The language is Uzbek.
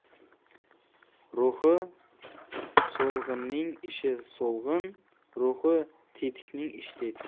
ruhi so'lg'inning ishi so'lg'in ruhi tetikning ishi tetik